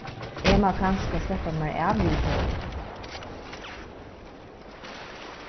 eg má kanska sleppa mær av við tey